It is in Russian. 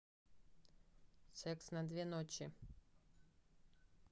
секс на две ночи